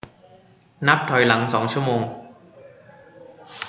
นับถอยหลังสองชั่วโมง